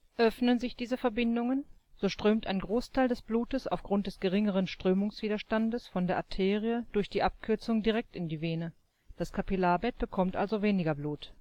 Öffnen sich diese Verbindungen, so strömt ein Großteil des Blutes aufgrund des geringeren Strömungswiderstandes von der Arterie durch die Abkürzung direkt in die Vene, das Kapillarbett bekommt also weniger Blut